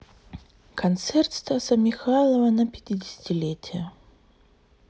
концерт стаса михайлова на пятидесятилетие